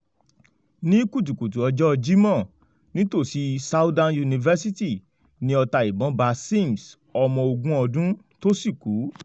Ní kùtùkùtù ọjọ́ Jímọ̀, nítọ̀sí Southern University, ni ọta ìbọn ba Sims, ọmọ ogun (20) ọdún, tó sì kú.